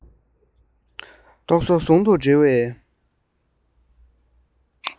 རྟོག བཟོ ཟུང དུ འབྲེལ བའི